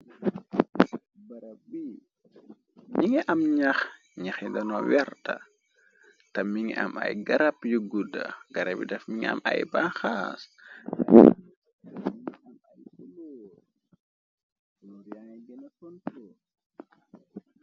Barab bi mi ngi am ñax ñaxi dano werta ta mi ngi am ay garab yu gudda garab yi tam mi ngi am ay banxaas ñ am ay kuloo muryange gëna tontor.